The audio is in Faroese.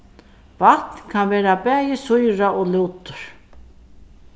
vatn kann vera bæði sýra og lútur